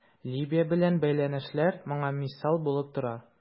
Либия белән бәйләнешләр моңа мисал булып тора.